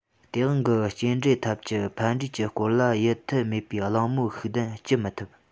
སྟེས དབང གི སྐྱེལ འདྲེན ཐབས ཀྱི ཕན འབྲས ཀྱི སྐོར ལ ཡིད འཐད མེད པའི གླེང མོལ ཤུགས ལྡན བགྱི མི ཐུབ